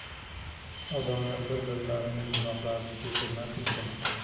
odamlar bir birlarining gunohlarini kechirmasmikin